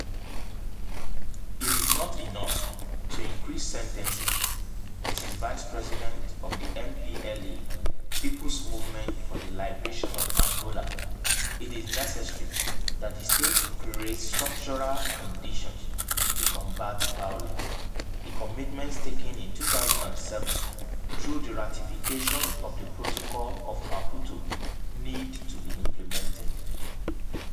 It is not enough to increase sentences, Mrs. vice president of the MPLA [People's Movement for the Liberation of Angola], it is necessary that the state creates structural conditions to combat violence — the commitments taken in 2007 through the ratification of the protocol of Maputo need to be implemented.